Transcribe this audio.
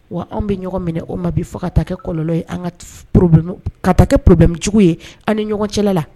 Wa anw bɛ ɲɔgɔn minɛ o ma bi fɔ ka taa kɛ kɔlɔlɔnlɔ ye kaoro ka taa kɛ porocogo ye an ni ɲɔgɔn cɛla la